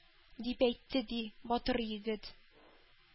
— дип әйтте, ди, батыр егет.